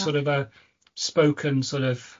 sor' of yy, spoken sor' of